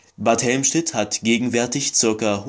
Bad Helmstedt hat gegenwärtig ca.